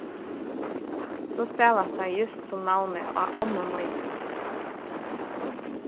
so stavast tað júst sum navnið á ommu míni